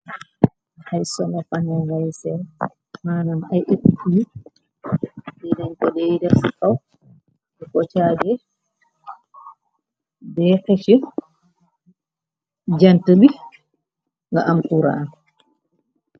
xay sona fana ngay se mannam ay ëkt yu di den ko dey def kaw bu ko caage beexeci jant bi nga am kuuraan